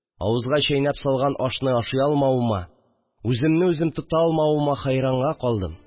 Авызга чәйнәп салган ашны ашый алмавыма, үземнең үземне тота алмавыма хәйранга калдым